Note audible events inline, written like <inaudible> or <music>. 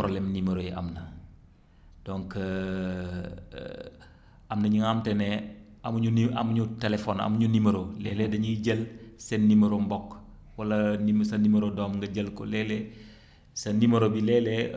problème numéro yi am na donc <hesitation> am na ñi nga xamante ne amuñu nu amuñu téléphone amuñu numéro léeg-léeg dañuy jël seen numéro mbokk wala num sa numéro doom nga jël ko léeg-léeg <breath> sa numéro bi léeg-léeg